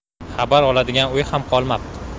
xabar oladigan uy ham qolmabdi